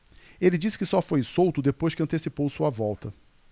ele disse que só foi solto depois que antecipou sua volta